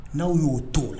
N'aw y'o to o la